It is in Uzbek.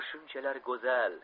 u shunchalar go'zal